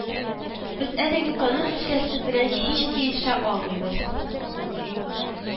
Без әлеге канун өлгесе белән һич килешә алмыйбыз